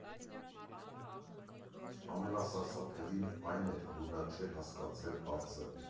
Ամենասարսափելին այն էր, որ նա չէր հասկացել հարցը։